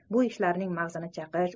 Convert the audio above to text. bu ishlarning mag'zini chaqish